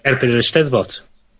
...erbyn yr Eisteddfod.